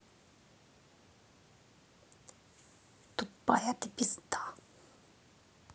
тупая ты пизда